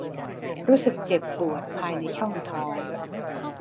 รู้สึกเจ็บปวดภายในช่องท้อง